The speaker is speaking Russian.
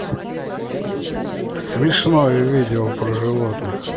смешное видео про животных